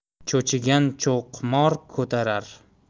cho'chigan cho'qmor ko'tarar